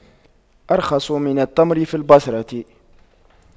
أرخص من التمر في البصرة